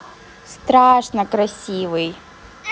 страшно красивый